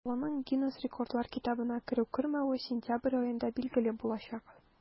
Чаллының Гиннес рекордлар китабына керү-кермәве сентябрь аенда билгеле булачак.